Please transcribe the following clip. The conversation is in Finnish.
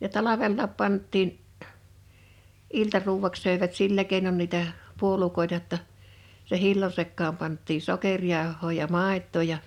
ja talvellakin pantiin iltaruuaksi söivät sillä keinoin niitä puolukoita jotta sen hillon sekaan pantiin sokerijauhoa ja maitoa ja